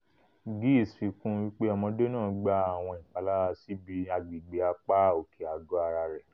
Giles fi kún un wípé ọmọdé̀ náà gba àwọn ìpalára síbi agbègbè̀ apá òké àgọ́ ara rẹ̀.